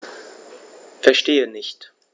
Verstehe nicht.